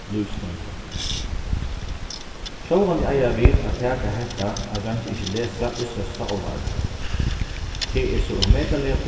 lívsroyndum sjálvandi eiga vit at taka hetta at dreingir ikki lesa í størsta álvara tað er so ómetaliga